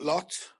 lot